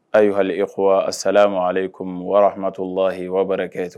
Ayi hali sa ma ale kɔmi wara hama' lahi waa kɛ